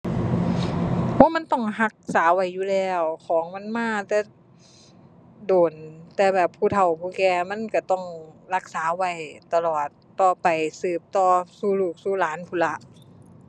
โอ้ มันต้องรักษาไว้อยู่แล้ว ของมันมาแต่โดน แต่แบบ ผู้เฒ่าผู้แก่ มันก็ต้องรักษาไว้ตลอดต่อไป สืบต่อสู่ลูกสู่หลานพู้นล่ะ